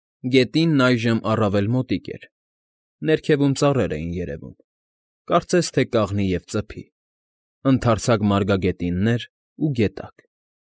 Գետինն այժմ առավել մոտիկ էր, ներքևում ծառեր էին երևում, կարծես թե կաղնի և ծփի, ընդարձակ մարգագետիններ ու գետակ։